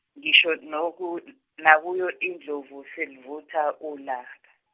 ngisho noku- n- nakuyo indlovu selivutha ulaka.